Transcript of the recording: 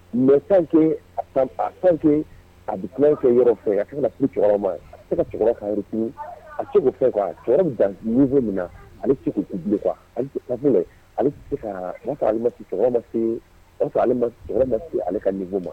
Mɛ a fɛn a bɛ tila kɛ yɔrɔ fɛ a se ma se kafin a tɛ ko fɛn kuwa cɛ min na ale se bi ali se se ale ka nin ma